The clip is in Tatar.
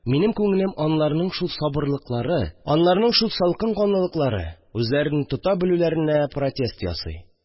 Минем күңелем аларның шул сабырлыклары, аларның шул салкын канлылыклары, үзләрене тота белүләренә протест ясый